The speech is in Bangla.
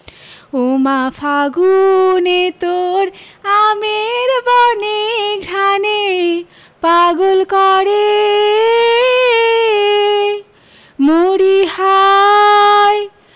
ওমা ফাগুনে তোর আমের বনে ঘ্রাণে পাগল করে মরি হায়